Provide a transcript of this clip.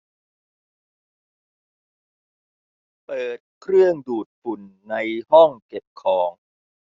เปิดเครื่องดูดฝุ่นในห้องเก็บของ